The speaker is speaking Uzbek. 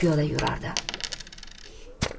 piyoda yurardi